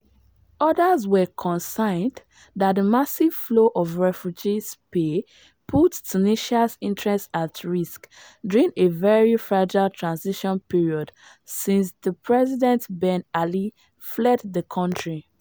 Others, were concerned that the massive flow of refugees pay put Tunisia's interests at risk during a very fragile transition period since the President Ben Ali fled the country.